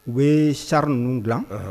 U bɛ sari ninnu bila